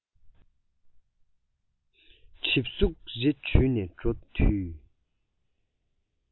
གྲིབ གཟུགས རེ དྲུད ནས འགྲོ དུས